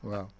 waaw